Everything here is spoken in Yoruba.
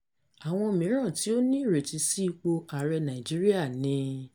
Àwọn mìíràn tí ó ní ìrètí sí ipò ààrẹ Nàìjíríà ni: